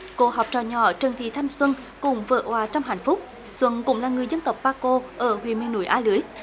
cô học trò nhỏ trần thị thanh xuân cùng vỡ òa trong hạnh phúc xuân cũng là người dân tộc pa cô ở huyện miền núi a lưới